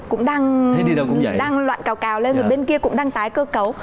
cũng đang đang loạn cào cào lên bên kia cũng đang tái cơ cấu